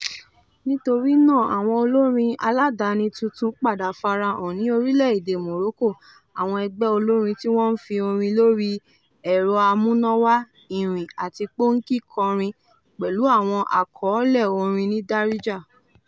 Nítorí náà àwọn olórin aládàáni tuntun padà farahàn ní orílẹ̀-èdè Morocco, àwọn ẹgbẹ́ olórin tí wọ́n fi orin lóri ẹ̀rọ amúnáwá , irin, àti póǹkì kọrin pẹ̀lú àwọn àkọọ́lẹ̀ orin ní Darija.